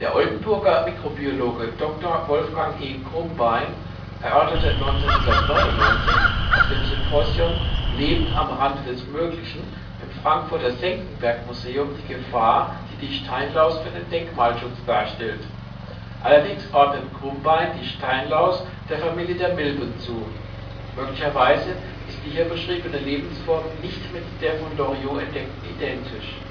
Oldenburger Mikrobiologe Dr. Wolfgang E. Krumbein erörterte 1999 auf dem Symposium " Leben am Rande des Möglichen " im Frankfurter Senckenberg-Museum die Gefahr, die die Steinlaus für den Denkmalschutz darstellt. Allerdings ordnet Krumbein die Steinlaus der Familie der Milben zu. Möglicherweise ist die hier beschriebene Lebensform nicht mit der von Loriot entdeckten identisch